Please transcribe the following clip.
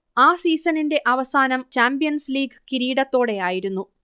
ആ സീസണിന്റെ അവസാനം ചാമ്പ്യൻസ് ലീഗ് കിരീടത്തോടെയായിരുന്നു